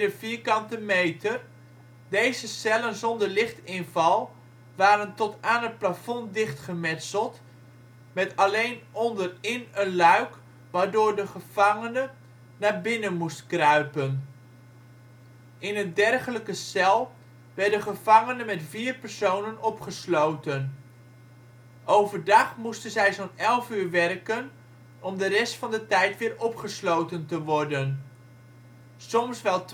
vierkante meter. Deze cellen zonder lichtinval waren tot aan het plafond dichtgemetseld, met alleen onderin een luik waardoor de gevangen naar binnen moesten kruipen. In een dergelijke cel werden gevangenen met vier personen opgesloten. Overdag moesten zij zo 'n 11 uur werken om de rest van de tijd weer opgesloten te worden, soms wel